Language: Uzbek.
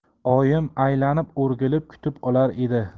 oyim aylanib o'rgilib kutib olar edi